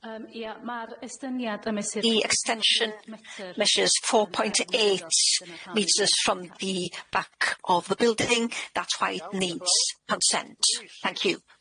Yym ie ma'r estyniad ym mesur- The extension measures four point eight metres from the back of the building that's why it needs consent. Thank you.